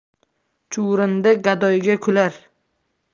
chuvrindi gadoyga kular